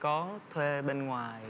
có thuê bên ngoài